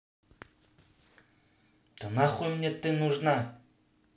да нахуй мне ты нужна